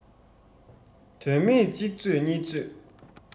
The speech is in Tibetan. དོན མེད གཅིག རྩོད གཉིས རྩོད